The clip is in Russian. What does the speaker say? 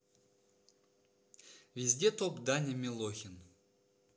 везде топ даня милохин